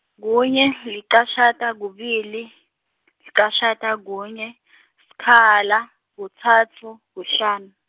kunye, licashata, kubili, licashata, kunye , sikhala, kutsatfu, kuhlanu.